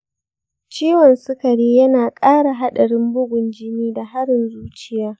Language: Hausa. ciwon sukari yana ƙara haɗarin bugun jini da harin zuciya.